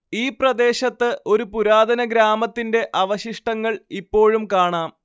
ഈ പ്രദേശത്ത് ഒരു പുരാതന ഗ്രാമത്തിന്റെ അവശിഷ്ടങ്ങൾ ഇപ്പോഴും കാണാം